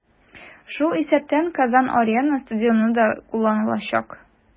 Шул исәптән "Казан-Арена" стадионы да кулланылачак.